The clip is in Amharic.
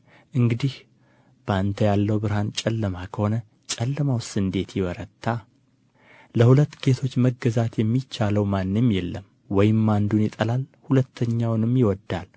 እንግዲህ በአንተ ያለው ብርሃን ጨለማ ከሆነ ጨለማውስ እንዴት ይበረታ ለሁለት ጌቶች መገዛት የሚቻለው ማንም የለም ወይም አንዱን ይጠላል ሁለተኛውንም ይወዳል